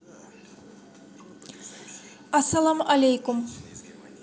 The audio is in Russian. асалам алейкум